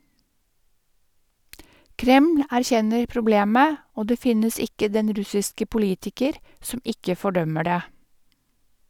Kreml erkjenner problemet, og det finnes ikke den russiske politiker som ikke fordømmer det.